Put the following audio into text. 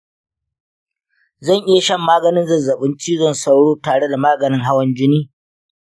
zan iya shan maganin zazzaɓin cizon sauro tare da maganin hawan jini?